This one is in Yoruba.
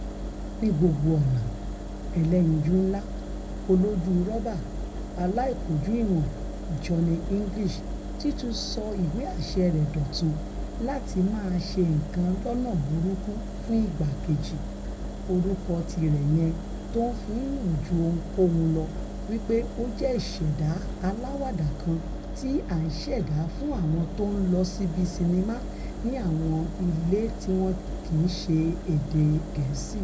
Ní gbogbo ọ̀nà, ẹlẹ́yinjú-ńlá, olójú-rọ́bà aláìkójú-ìwọ̀n Johnny English ti tún ṣọ ìwé-àṣẹ rẹ̀ dọ̀tun láti máaṣe nǹkan lọ́nà burúkú fún ìgbà kejì - orúkọ tirẹ̀ yẹn tó ńfihàn ju ohunkohun lọ wí pé ó jẹ́ ìṣẹ̀dá aláwàdà kan tí a ṣẹ̀dá fún àwọn tó ńlọ síbi sinnimá ní àwọn ilẹ̀ tíwọn kìí sọ èdè Gẹ̀ẹ́sì.